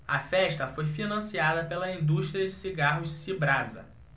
a festa foi financiada pela indústria de cigarros cibrasa